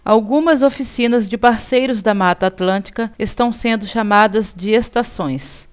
algumas oficinas de parceiros da mata atlântica estão sendo chamadas de estações